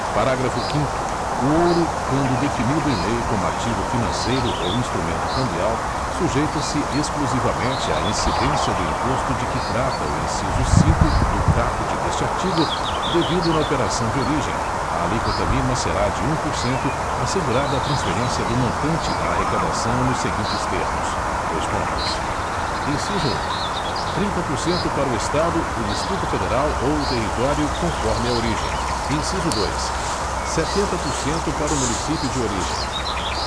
parágrafo quinto o ouro quando definido em lei como ativo financeiro ou instrumento cambial sujeita se exclusivamente à incidência do imposto de que trata o inciso cinco do caput deste artigo devido na operação de origem a alíquota mínima será de um por cento assegurada a transferência do montante da arrecadação nos seguintes termos dois pontos inciso um trinta por cento para o estado o distrito federal ou o território conforme a origem inciso dois setenta por cento para o município de origem